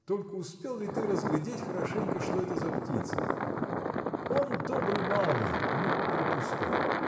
только успел ли ты разглядеть хорошенько что это за птица? Он добрый малый, но препустой.